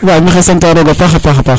wa maxey sant a roga paxa paax